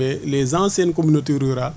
mais les anciennes communautés rurales